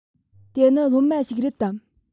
དེ ནི སློབ མ ཞིག རེད དམ